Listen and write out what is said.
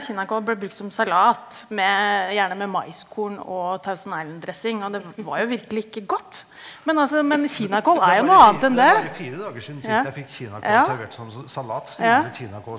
kinakål ble brukt som salat med gjerne med maiskorn og Thousand Island dressing og det var jo virkelig ikke godt, men altså men kinakål er jo noe annet enn det ja ja ja.